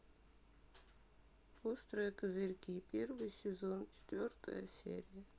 острые козырьки первый сезон четвертая серия